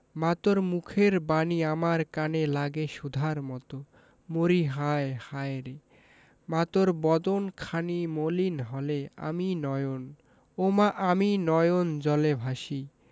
মা তোর মুখের বাণী আমার কানে লাগে সুধার মতো মরিহায় হায়রে মা তোর বদন খানি মলিন হলে আমি নয়ন ওমা আমি নয়ন জলে ভাসি